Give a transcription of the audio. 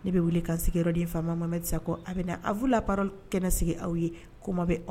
Ne kaden faama masa ko a bɛ a' lap kɛnɛ sigi aw ye ko bɛ